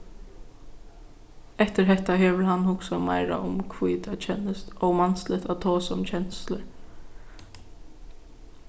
eftir hetta hevur hann hugsað meira um hví tað kennist ómansligt at tosa um kenslur